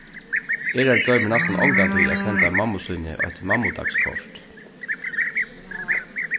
erhard gloymir næstan ongantíð at senda mammu síni eitt mammudagskort